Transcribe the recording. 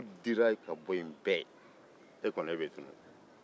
n'o dira ka bɔ yen bɛɛ e kɔni e bɛ tunun